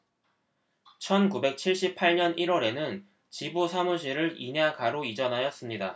천 구백 칠십 팔 년 일 월에는 지부 사무실을 인야 가로 이전하였습니다